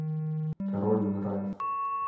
король ральф